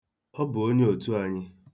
Ọ bụ onye otu anyị.